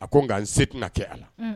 A ko nka n se tɛna kɛ a la; Un.